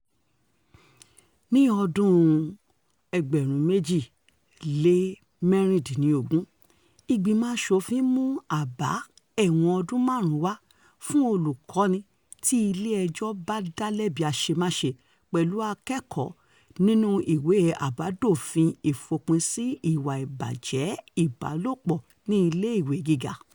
Ní ọdún-un 2016, Ìgbìmọ̀ Àṣòfin mú àbá ẹ̀wọ̀n ọdún márùn-ún wá fún olùkọ́ní tí ilé ẹjọ́ bá dá lẹ́bi àṣemáṣe pẹ̀lú akẹ́kọ̀ọ́ nínú "Ìwé àbádòfin Ìfòpin sí ìwà ìbàjẹ́ ìbálòpọ̀ ní Ilé Ìwé Gíga".